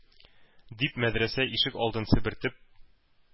Дип, мәдрәсә ишек алдын себертеп,